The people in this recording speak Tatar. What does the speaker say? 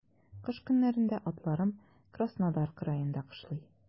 Кыш көннәрендә атларым Краснодар краенда кышлый.